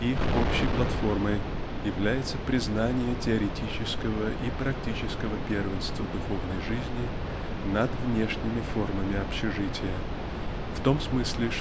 Их общей платформой является признание теоретического и практического первенства духовной жизни над внешними формами общежития в том смысле